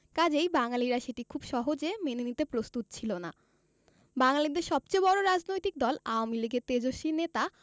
কাজেই বাঙালিরা সেটি খুব সহজে মেনে নিতে প্রস্তুত ছিল না বাঙালিদের সবচেয়ে বড়ো রাজনৈতিক দল আওয়ামী লীগের তেজস্বী নেতা